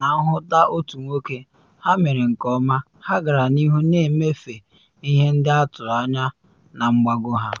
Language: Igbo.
Na nhụta otu nwoke, ha mere nke ọma, ha gara n’ihu na emefe ihe ndị atụrụ anya na mgbago ha.